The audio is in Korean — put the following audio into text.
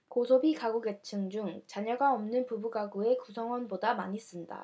고소비가구계층 중 자녀가 없는 부부가구의 구성원보다 많이 쓴다